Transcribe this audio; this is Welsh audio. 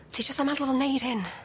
Ti jys am adl fo neud hyn?